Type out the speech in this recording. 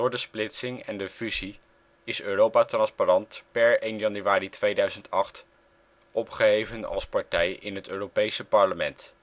de splitsing en de fusie is Europa Transparant per 1 januari 2008 opgeheven als partij in het Europese parlement